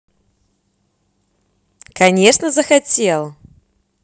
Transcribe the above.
конечно захотел